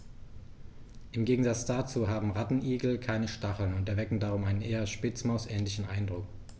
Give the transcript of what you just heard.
Im Gegensatz dazu haben Rattenigel keine Stacheln und erwecken darum einen eher Spitzmaus-ähnlichen Eindruck.